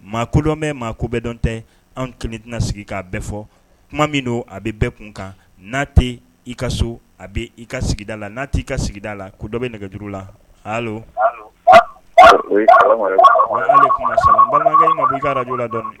Maa kodɔnbɛn mɔgɔ ko bɛɛ dɔn tɛ an kɔni tɛna sigi k'a bɛɛ fɔ tuma min don a bɛ bɛɛ kunkan n'a tɛ i ka so a bɛ i ka sigida la n'a t' i ka sigida la ko dɔ bɛ nɛgɛjuru la hali ale kuma sa balimakɛ ma b'j la dɔn